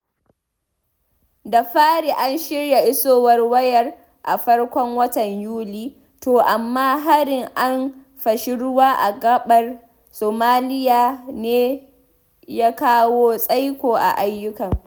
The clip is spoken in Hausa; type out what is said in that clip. Da fari an shirya isowar wayar a farkon watan Yuli, to amma harin an fashi ruwa a gaɓar Somalia ne ya kawo tsaiko a ayyukan.